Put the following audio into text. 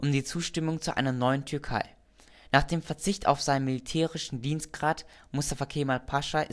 die Zustimmung zu einer neuen Türkei. Nach dem Verzicht auf seinen militärischen Dienstgrad (Mustafa Kemal Pascha